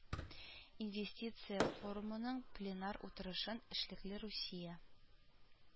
Инвестиция форумының пленар утырышын Эшлекле Русия